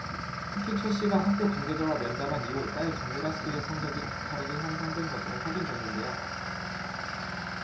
특히 최 씨가 학교 관계자와 면담한 이후 딸 정유라 씨의 성적이 가파르게 향상된 것으로 확인됐는데요